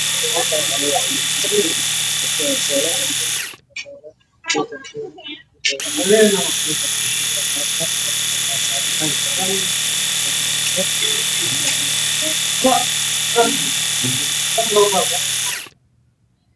Waa jilo waxa ay leedahay qaanado